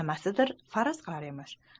nimanidir faraz qilar ekan